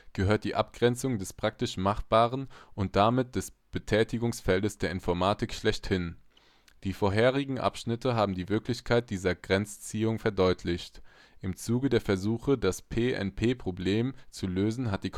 gehört die Abgrenzung des praktisch Machbaren und damit des Betätigungsfeldes der Informatik schlechthin. Die vorherigen Abschnitte haben die Wichtigkeit dieser Grenzziehung verdeutlicht. Im Zuge der Versuche, das P-NP-Problem zu lösen, hat die